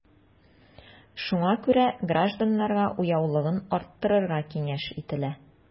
Шуңа күрә гражданнарга уяулыгын арттырыга киңәш ителә.